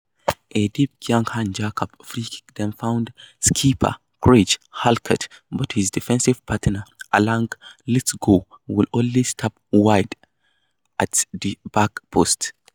A deep Keaghan Jacobs free-kick then found skipper Craig Halkett but his defensive partner Alan Lithgow could only stab wide at the back post.